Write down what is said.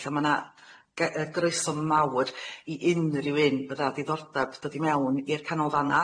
a ma' 'na ge- yy groeso mawr i unrhyw un fydda a diddordeb dod i mewn i'r canolfanna